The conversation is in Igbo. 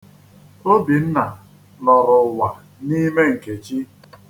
Obinna lọrọ ụwa n'ime Nkechi.